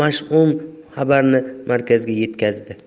mashum xabarni markazga yetkazdi